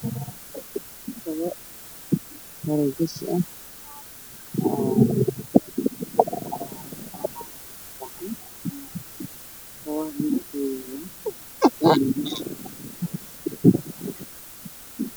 Waa kab midabkeedu yahay madow nin ayaa gacanta ku hayo gacanta midabkeedu waa baroon